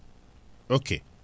ok